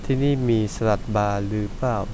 ที่นี่มีสลัดบาร์หรือเปล่า